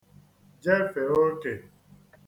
jefē ōkè